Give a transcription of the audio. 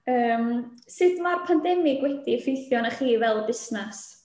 Yym, sut ma'r pandemig wedi effeithio arnoch chi fel busnes?